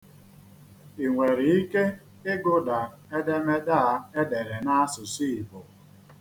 I nwere ike ịgụda edemede a edere n'asụsụ Igbo?